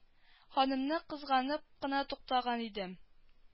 Ханымны кызганып кына туктаган идем